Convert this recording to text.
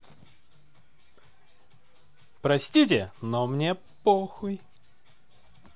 простите но мне похуй